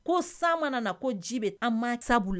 Ko san ma nana ko ji bɛ an ma taabolo